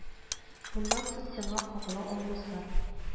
Моннан соң сиңа кагыла алмаслар